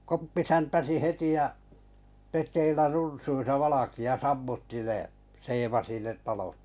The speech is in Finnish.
Koppi säntäsi heti ja pedeillä runsuissa valkea sammutti ne seevasi ne talot